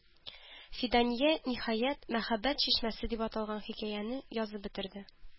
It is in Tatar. Фидания, ниһаять, "Мәхәббәт чишмәсе" дип аталган хикәяне язып бетерде.